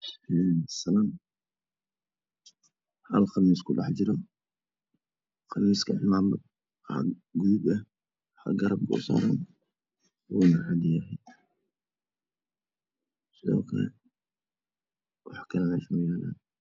Salad hal qamiis kudhex jiro. Qamiiska cimaamad gaduudan ayaa agtaalo waana cad yahay.